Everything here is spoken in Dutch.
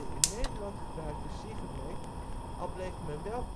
in Nederland gebruikte Siegenbeek, al bleef men wel kaes